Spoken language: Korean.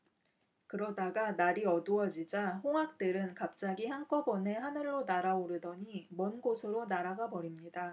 그러다가 날이 어두워지자 홍학들은 갑자기 한꺼번에 하늘로 날아오르더니 먼 곳으로 날아가 버립니다